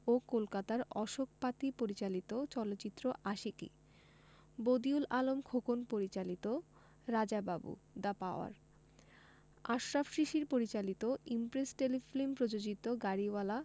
ও কলকাতার অশোক পাতি পরিচালিত চলচ্চিত্র আশিকী বদিউল আলম খোকন পরিচালিত রাজা বাবু দ্যা পাওয়ার আশরাফ শিশির পরিচালিত ইমপ্রেস টেলিফিল্ম প্রযোজিত গাড়িওয়ালা